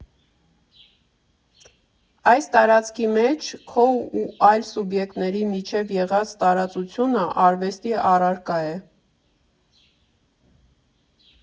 Այս տարածքի մեջ՝ քո ու այլ սուբյեկտների միջև եղած տարածությունը արվեստի առարկա է։